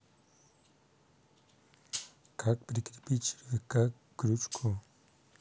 как прикрепить червяка к крючку